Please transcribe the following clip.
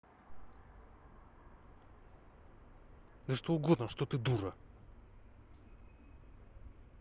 да что угодно что ты дура